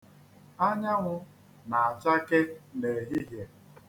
Anyanwụ na-achake n'ehihie.